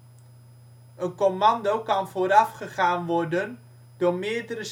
commando kan voorafgegaan worden door meerdere